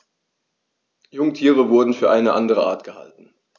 Jungtiere wurden für eine andere Art gehalten.